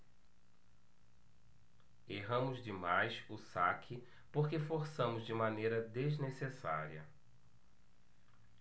erramos demais o saque porque forçamos de maneira desnecessária